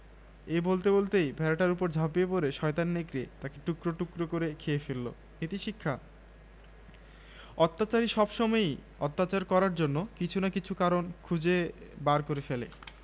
এই বলতে বলতেই ভেড়াটার উপর ঝাঁপিয়ে পড়ে শয়তান নেকড়ে তাকে টুকরো টুকরো করে খেয়ে ফেলল নীতিশিক্ষাঃ অত্যাচারী সবসময়ই অত্যাচার করার জন্য কিছু না কিছু কারণ খুঁজে বার করে ফেলে